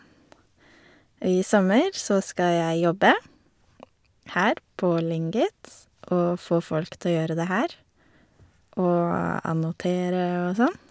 Og i sommer så skal jeg jobbe her på Lingit og få folk til å gjøre det her og annotere og sånn.